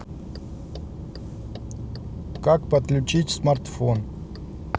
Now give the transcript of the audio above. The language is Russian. как подключить смартфон